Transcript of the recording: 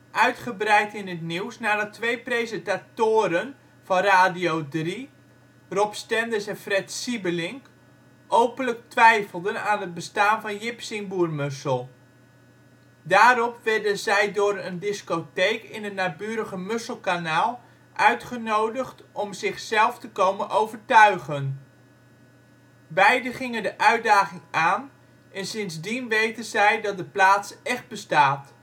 uitgebreid in het nieuws nadat twee presentatoren van Radio 3, Rob Stenders en Fred Siebelink openlijk twijfelden aan het bestaan van Jipsingboermussel. Daarop werden zij door een discotheek in het naburige Musselkanaal uitgenodigd om zich zelf te komen overtuigen. Beiden gingen de uitdaging aan en sindsdien weten zij dat de plaats echt bestaat